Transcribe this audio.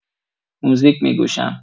موزیک می‌گوشم